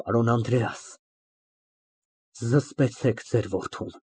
Պարոն Անդրեաս, զսպեցեք ձեր որդուն։